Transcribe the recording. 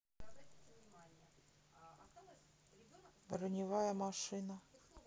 броневая машина